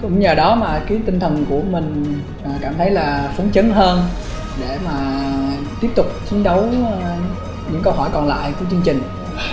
cũng nhờ đó mà khiến tinh thần của mình cảm thấy là phấn chấn hơn để mà tiếp tục chiến đấu những câu hỏi còn lại của chương trình